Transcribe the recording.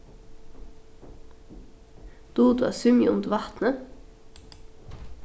dugir tú at svimja undir vatni